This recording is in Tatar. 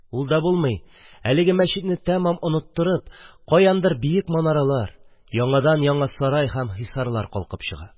Ул да булмый, әлеге мәчетне тамам оныттырып, каяндыр биек манаралар, яңадан-яңа сарай һәм һисарлар калкып чыга.